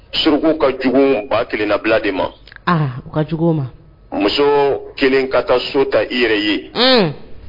Suruku ka jugu ba kelen nabila de ma u ka jugu ma muso kelen ka taa so ta i yɛrɛ ye